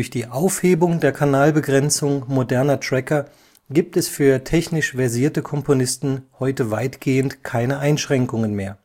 die Aufhebung der Kanalbegrenzung moderner Tracker gibt es für technisch versierte Komponisten heute weitgehend keine Einschränkungen mehr